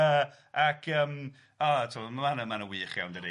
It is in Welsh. yy ac yym o ti'bod ma' hwn yn ma' hwnna'n wych iawn dydi?